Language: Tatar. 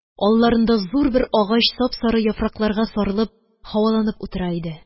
Алларында зур бер агач сап-сары яфракларга сарылып, һаваланып утыра иде